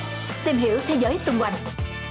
tìm hiểu thế giới xung quang